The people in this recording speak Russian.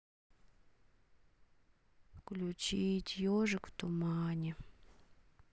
включить ежик в тумане